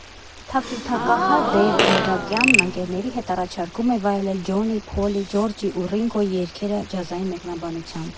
Թավջութակահար Դեյվ Գյոդակյանն ընկերների հետ առաջարկում է վայելել Ջոնի, Փոլի, Ջորջի ու Ռինգոյի երգերը ջազային մեկնաբանությամբ։